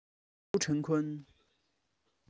ཀུའོ ཧྲེང ཁུན